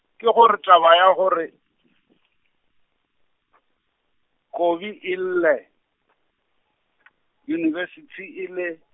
ke gore taba ya gore , Kobi e lle , University e le.